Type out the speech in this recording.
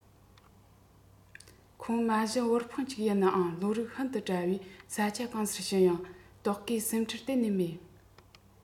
ཁོང མ གཞི དབུལ ཕོངས ཅིག ཡིན ནའང བློ རིག ཤིན ཏུ བཀྲ བས ས ཆ གང སར ཕྱིན ཡང ལྟོ གོས སེམས ཁྲལ གཏན ནས མེད